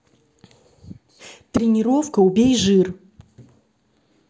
тренировка убей жир